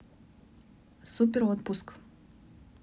супер отпуск